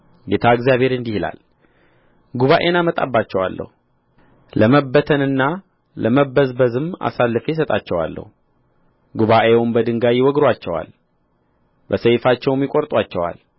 ጌታ እግዚአብሔር እንዲህ ይላል ጉባኤን አመጣባቸዋለሁ ለመበተንና ለመበዝበዝም አሳልፌ አሰጣቸዋለሁ ጉባኤውም በድንጋይ ይወግሩአቸዋል በሰይፋቸውም ይቈርጡአቸዋል